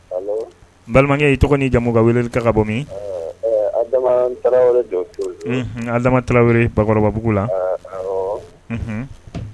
Balimakɛ ye tɔgɔ jamu ka wele i ka bɔ min adama bakɔrɔbabugu la